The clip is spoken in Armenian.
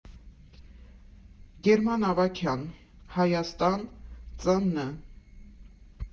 Գերման Ավագյան (Հայաստան, ծն.